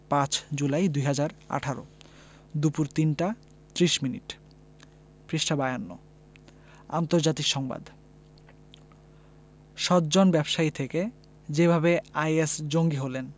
৫ July ২০১৮ দুপুর ৩টা ৩০ minute আন্তর্জাতিক সংবাদ সজ্জন ব্যবসায়ী থেকে যেভাবে আইএস জঙ্গি হলেন